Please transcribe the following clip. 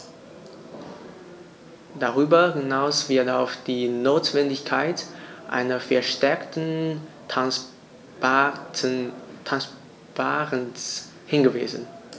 Darüber hinaus wird auf die Notwendigkeit einer verstärkten Transparenz hingewiesen.